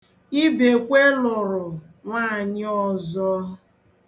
Ibekwe lụrụ nwanyị ọzọ.